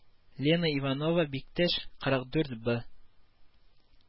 Лена Иванова Биктәш кырык дүрт бэ